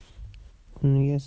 unga sayin sochim